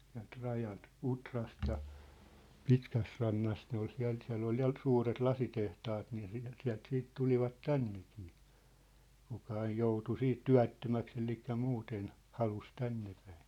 sieltä rajalta Utrasta ja Pitkästärannasta ne oli siellä siellä oli ja suuret lasitehtaat niin siellä sieltä sitten tulivat tännekin kuka - joutui siitä työttömäksi eli muuten halusi tännepäin